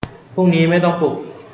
พรุ่งนี้ไม่ต้องปลุก